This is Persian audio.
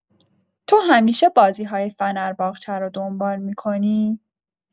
تو همیشه بازی‌های فنرباغچه رو دنبال می‌کنی؟